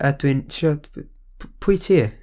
A dwi'n trio, p- pwy ti?